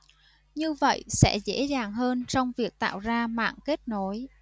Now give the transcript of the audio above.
như vậy sẽ dễ dàng hơn trong việc tạo ra mạng kết nối